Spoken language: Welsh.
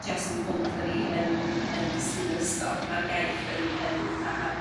jyst yn bwnc 'da ni yn yn dysgu'n yr ysgol ma'r iaith y yn ma'